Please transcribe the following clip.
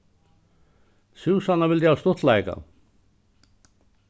súsanna vildi hava stuttleika